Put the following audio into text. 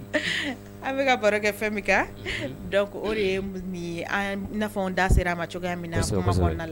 An bɛka ka barokɛ fɛn min kan donc o de ye noin ye, i n'fɔ an da sera a ma cogoya min na kuma kɔnɔna na, kosɛbs, kosɛbɛo